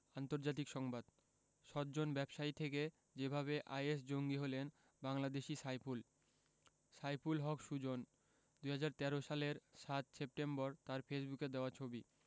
আন্তর্জাতিক সংবাদ সজ্জন ব্যবসায়ী থেকে যেভাবে আইএস জঙ্গি হলেন বাংলাদেশি সাইফুল সাইফুল হক সুজন ২০১৩ সালের ৭ সেপ্টেম্বর তাঁর ফেসবুকে দেওয়া ছবি